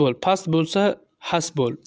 bo'l past bo'lsa xas bo'l